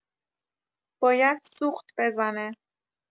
باید سوخت بزنه